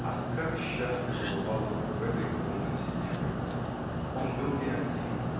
А как счастлив бывал он в этой комнате некогда! он был не один